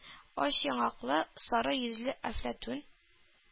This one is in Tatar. Ач яңаклы, сары йөзле әфләтун.